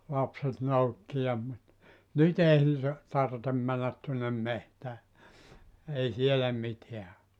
lapset noukki ja nyt ei niiden tarvitse mennä tuonne metsään ei siellä mitään ole